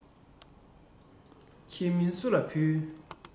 ཁྱེད མིན སུ ལ འབུལ